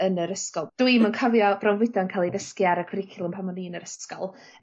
yn yr ysgol dwy'm yn cofio bronfwydo'n ca'l ei ddysgu ar y cwricwlwm pan o'n i'n yr ysgol.